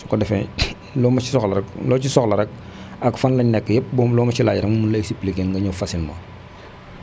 su ko defee loo ma si soxla rek loo si soxla rek ak fan la ñu nekk yëpp boo loo ma si laaj rek mun la expliqué nga ñëw facilement